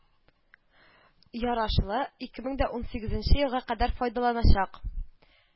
Ярашлы, ике мең дә унсигезенче елга кадәр файдаланачак